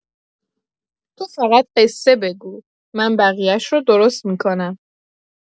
تو فقط قصه بگو، من بقیه‌ش رو درست می‌کنم.